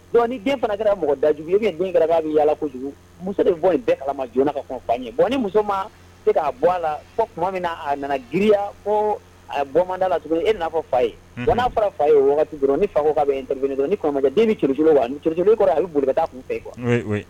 Dɔnku ni den fana kɛra mɔgɔ da den kɛra bɛ yaa kojugu muso bɔ in bɛ alaj ka fa bɔn muso k'a bɔ a la tuma min na a nana gya a bɔda la tuguni e fɔ fa n'a fɔra fa ye ni fakɛ denuru kɔrɔ a bɛ bolo ka taa kun bɛɛ kuwa